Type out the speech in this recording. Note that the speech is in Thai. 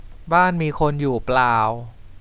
บ้านมีคนอยู่เปล่า